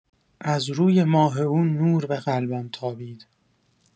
از روی ماه او نور به قلبم تابید.